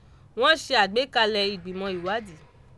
"Wọ́n ṣe àgbékalẹ̀ ìgbìmọ̀ ìwádìí.